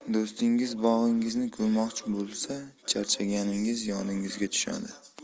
do'stingiz bog'ingizni ko'rmoqchi bo'lsa charchaganingiz yodingizga tushadi